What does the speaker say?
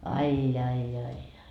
ai ai ai ai